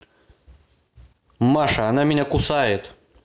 маша она меня кусает